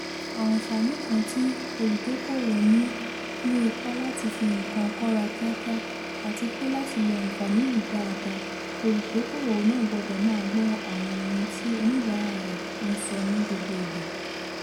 Àǹfààní kan tí olùdókoòwò ní ni ipá láti fi nǹkan kọ̀ra kíákíá, àti pé láti lo àǹfààní yìí daada olùdókoòwò náà gbọ́dọ̀ máa gbọ́ àwọn ohun tí oníbàárà rẹ ń sọ ní gbogbo ìgbà.